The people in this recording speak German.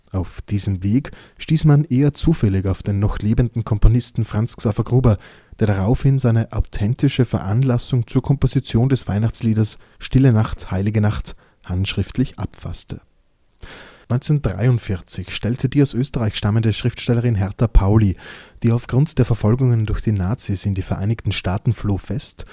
Auf diesem Weg stieß man eher zufällig auf den noch lebenden Komponisten Franz Xaver Gruber, der daraufhin seine „ Authentische Veranlassung zur Composition des Weihnachtsliedes ‚ Stille Nacht, Heilige Nacht ‘“handschriftlich abfasste. 1943 stellte die aus Österreich stammende Schriftstellerin Hertha Pauli, die aufgrund der Verfolgungen durch die Nazis in die Vereinigten Staaten floh, fest